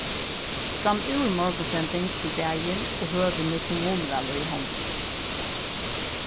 framúr morgunsending til dagin og høvið nú kommunuval er í hondum